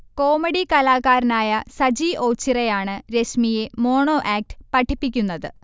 comedy കലാകാരനായ സജി ഓച്ചിറയാണ് രശ്മിയെ മോണോ ആക്ട് പഠിപ്പിക്കുന്നത്